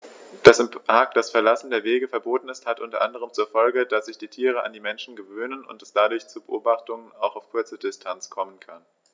Dass im Park das Verlassen der Wege verboten ist, hat unter anderem zur Folge, dass sich die Tiere an die Menschen gewöhnen und es dadurch zu Beobachtungen auch auf kurze Distanz kommen kann.